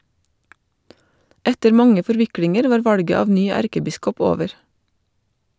Etter mange forviklinger var valget av ny erkebiskop over.